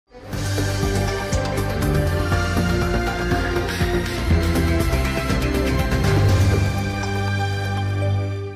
Wa